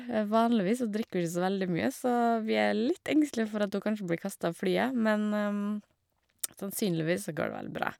Vanligvis så drikker hun ikke så veldig mye, så vi er litt engstelig for at hun kanskje blir kasta av flyet, men sannsynligvis så går det vel bra.